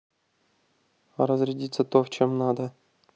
а разрядиться то в чем надо